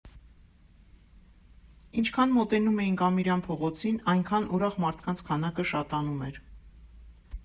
Ինչքան մոտենում էինք Ամիրյան փողոցին, այնքան ուրախ մարդկանց քանակը շատանում էր։